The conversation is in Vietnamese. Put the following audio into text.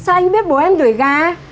sao anh biết bố em tuổi gà